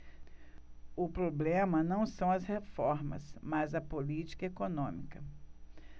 o problema não são as reformas mas a política econômica